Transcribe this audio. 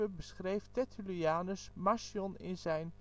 beschreef Tertullianus Marcion in zijn